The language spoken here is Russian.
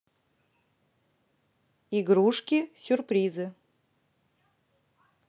игрушки сюрпризы